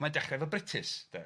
ma'n dechra 'fo Brutus 'de... Ia...